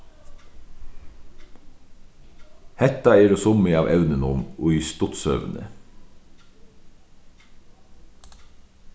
hetta eru summi av evnunum í stuttsøguni